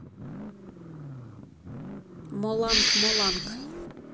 моланг моланг